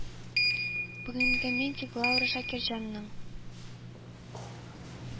Бүгенге митинг Лаура Шакирҗанның